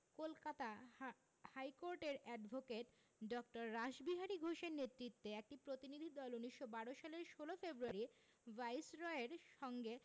কলকাতা হা হাইকোর্টের অ্যাডভোকেট ড. রাসবিহারী ঘোষের নেতৃত্বে একটি প্রতিনিধিদল ১৯১২ সালের ১৬ ফেব্রুয়ারি ভাইসরয়ের সঙ্গে